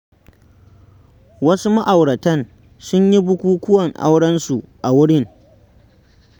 Wasu ma'auratan sun yi bukukuwan aurensu a wurin.